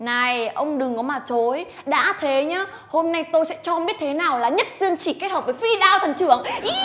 này ông đừng có mà chối đã thế nhá hôm nay tôi sẽ cho ông biết thế nào là nhất dương chỉ kết hợp với phi đao thần chưởng ý